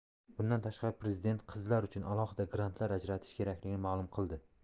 bundan tashqari prezident qizlar uchun alohida grantlar ajratish kerakligini ma'lum qildi